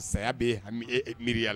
Saya bɛ yen hami ee miiriya la.